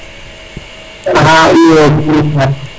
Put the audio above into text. *